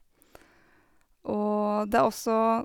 Og det er også...